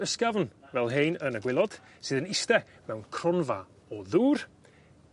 ysgafn fel hein yn y gwaelod sydd yn iste mewn cronfa o ddŵr